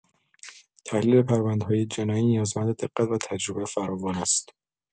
تحلیل پرونده‌‌های جنایی نیازمند دقت و تجربه فراوان است.